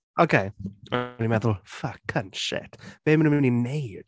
Okay. O'n i'n meddwl, fuck, cunt, shit. Be maen nhw’n mynd i wneud?